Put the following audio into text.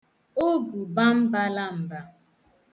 ogùbambalam̀bà